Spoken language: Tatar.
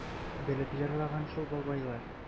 Белеп җырлаган шул бабайлар...